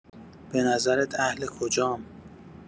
بنظرت اهل کجام؟